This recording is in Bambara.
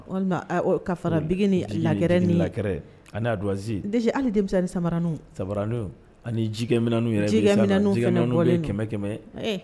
Walima ka fara bi ni laɛrɛ ni laɛrɛ ani'a dɔnwasi dese hali demisa ni sa samara ani jikɛminu yɛrɛu ye kɛmɛ kɛmɛ